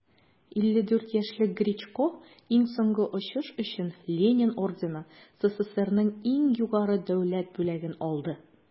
54 яшьлек гречко иң соңгы очыш өчен ленин ордены - сссрның иң югары дәүләт бүләген алды.